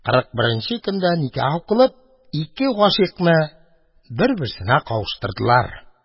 Кырык беренче көндә никах укылып, ике гашыйкны бер-беренә кавыштырдылар.